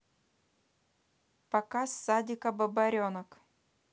показ садика бобренок